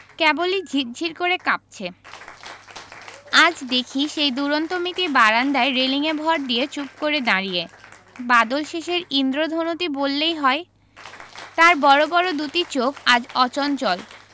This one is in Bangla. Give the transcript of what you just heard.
কেবলি ঝির ঝির করে কাঁপছে আজ দেখি সেই দূরন্ত মেয়েটি বারান্দায় রেলিঙে ভর দিয়ে চুপ করে দাঁড়িয়ে বাদলশেষের ঈন্দ্রধনুটি বললেই হয় তার বড় বড় দুটি চোখ আজ অচঞ্চল